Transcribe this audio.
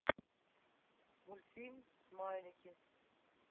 мультфильм смайлики